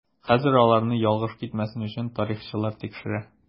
Хәзер аларны ялгыш китмәсен өчен тарихчылар тикшерә.